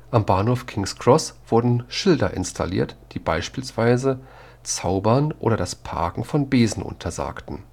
Am Bahnhof King’ s Cross wurden Schilder installiert, die beispielsweise Zaubern oder das Parken von Besen untersagten